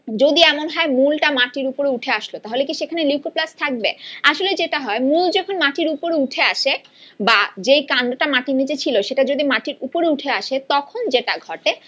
যদি এমন হয় মূল টা মাটির উপরে উঠে আসলো তাহলে কি সেখানে লিউকোপ্লাস্ট থাকবে আসলে যেটা হয় মূল যখন মাটির উপরে উঠে আসে বা যে কান্ডটা মাটির নিচে ছিল সেটা যদি মাটির উপরে উঠে আসে তখন যেটা ঘটে